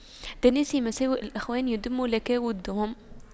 تناس مساوئ الإخوان يدم لك وُدُّهُمْ